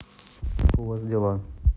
как у вас дела